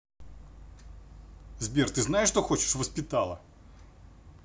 сбер ты знаешь что хочешь воспитала